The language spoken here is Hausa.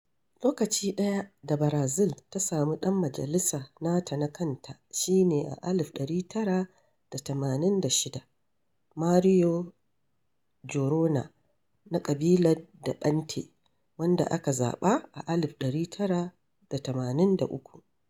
Lokaci ɗaya da Barazil ta samu ɗan majalisa nata na kanta shi ne a 1986 - Mario Juruna, na ƙabilar ɗaɓante, wanda aka zaɓa a 1983.